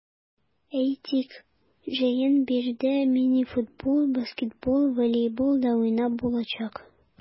Әйтик, җәен биредә мини-футбол, баскетбол, волейбол да уйнап булачак.